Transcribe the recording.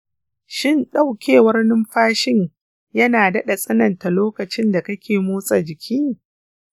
shin daukewar numfashin yana daɗa tsananta lokacin da kake motsa jiki?